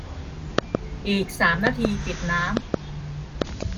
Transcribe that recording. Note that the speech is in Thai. อีกสามนาทีปิดน้ำ